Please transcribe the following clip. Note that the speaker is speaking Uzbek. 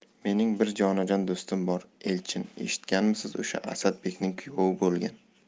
mening bir jonajon do'stim bor elchin eshitganmisiz o'sha asadbekning kuyovi bo'lgan